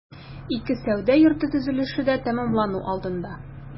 Ике сәүдә йорты төзелеше дә тәмамлану алдында.